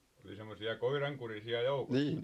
oli semmoisia koirankurisia joukossa